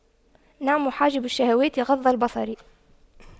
نعم حاجب الشهوات غض البصر